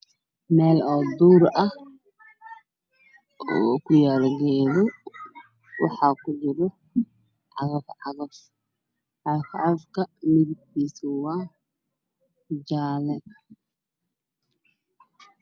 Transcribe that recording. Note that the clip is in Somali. Meel oo duur ah oo ku yaallo geedo waxa ku jiro cagaf cagaf ,cagaf cagaf ka midabkiisu waa jaalle